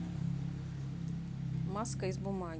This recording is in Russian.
маска из бумаги